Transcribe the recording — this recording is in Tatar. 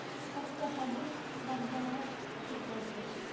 Хәтта хәзер үк вокзалга төшәргә диләр